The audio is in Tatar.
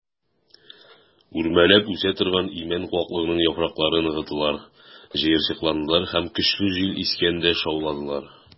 Үрмәләп үсә торган имән куаклыгының яфраклары ныгыдылар, җыерчыкландылар һәм көчле җил искәндә шауладылар.